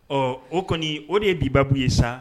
Ɔ o kɔni o de ye dibabu ye san